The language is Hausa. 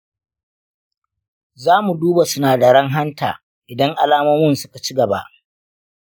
zamu duba sinadaran hanta idan alamomin suka ci gaba.